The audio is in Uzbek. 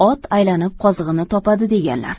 ot aylanib qozig'ini topadi deganlar